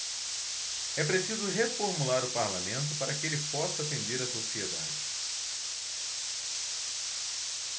é preciso reformular o parlamento para que ele possa atender a sociedade